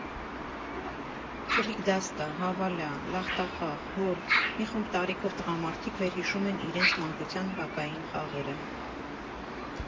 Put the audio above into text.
Չլիկ֊դաստա, հավալա, լախտախաղ, հոլ՝ մի խումբ տարիքով տղամարդիկ վերհիշում են իրենց մանկության բակային խաղերը։